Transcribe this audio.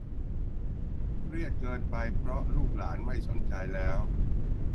เครียดเกินไปเพราะลูกหลานไม่สนใจแล้ว